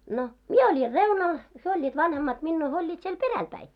no minä olin reunalla he olivat vanhemmat minua he olivat siellä perällä päin